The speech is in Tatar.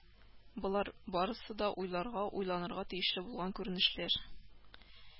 Болар барысы да уйларга, уйланырга тиешле булган күренешләр